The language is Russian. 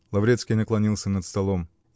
Лаврецкий наклонился над столом.